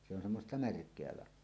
se on semmoista märkää lahoa